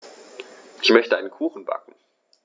Ich möchte einen Kuchen backen.